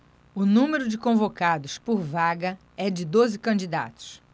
o número de convocados por vaga é de doze candidatos